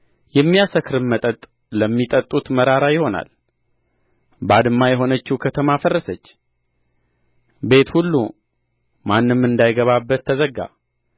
የሚያሰክርም መጠጥ ለሚጠጡት መራራ ይሆናል ባድማ የሆነችው ከተማ ፈረሰች ቤት ሁሉ ማንም እንዳይገባበት ተዘጋ